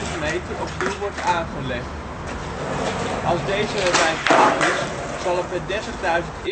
meter opnieuw wordt aangelegd. Als deze wijk af is, zal het met 30.000 inwoners